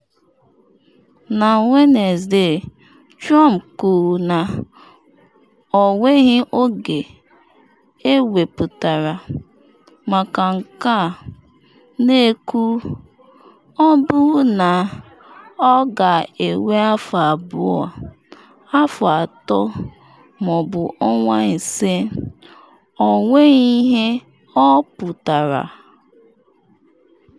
Na Wenesde, Trump kwuru na ọ nweghị oge ewepụtara maka nke a, na-ekwu “ọ bụrụ na ọ ga-ewe afọ abụọ, afọ atọ ma ọ bụ ọnwa ise- ọ nweghị ihe ọ pụtara.”